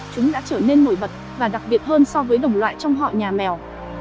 chúng đã trở nên nổi bật và đặc biệt hơn so với đồng loại trong họ nhà mèo